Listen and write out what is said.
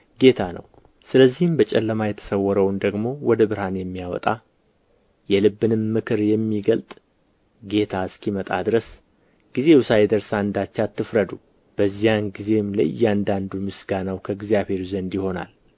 ጌታ ነው ስለዚህም በጨለማ የተሰወረውን ደግሞ ወደ ብርሃን የሚያወጣ የልብንም ምክር የሚገልጥ ጌታ እስኪመጣ ድረስ ጊዜው ሳይደርስ አንዳች አትፍረዱ በዚያን ጊዜም ለእያንዳንዱ ምስጋናው ከእግዚአብሔር ዘንድ ይሆናል